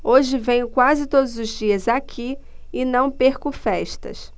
hoje venho quase todos os dias aqui e não perco festas